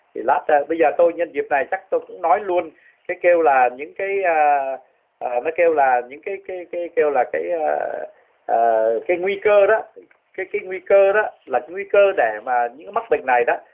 thì nát à bây giờ tôi nhân dịp này chắc tôi cũng nói luôn cái kêu là những cái à nó kêu là những cái cái cái kêu là cái a à cái nguy cơ đó cái cái nguy cơ đó là cái nguy cơ để mà nhiễm mắc bệnh này đó